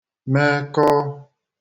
mekọọ